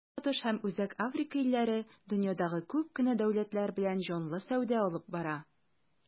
Көнбатыш һәм Үзәк Африка илләре дөньядагы күп кенә дәүләтләр белән җанлы сәүдә алып бара.